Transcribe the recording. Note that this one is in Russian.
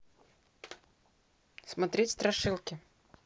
смотреть страшилки